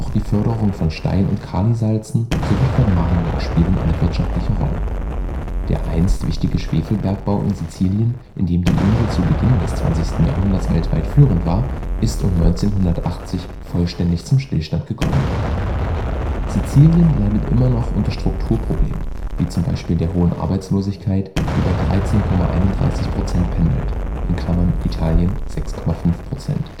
die Förderung von Stein - und Kalisalzen sowie von Marmor spielen eine wirtschaftliche Rolle. Der einst wichtige Schwefelbergbau in Sizilien, in dem die Insel zu Beginn des 20. Jahrhunderts weltweit führend war, ist um 1980 vollständig zum Stillstand gekommen. Sizilien leidet immer noch unter Strukturproblemen wie z. B. der hohen Arbeitslosigkeit, die bei 13,31 % pendelt (Italien 6,5 %